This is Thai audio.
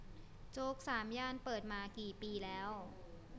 โจ๊กสามย่านเปิดมากี่ปีแล้ว